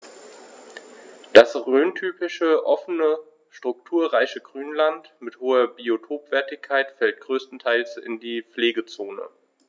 Das rhöntypische offene, strukturreiche Grünland mit hoher Biotopwertigkeit fällt größtenteils in die Pflegezone.